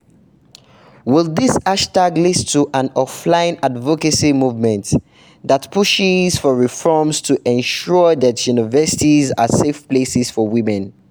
Will this hashtag lead to an offline advocacy movement that pushes for reforms to ensure that universities are safe places for women?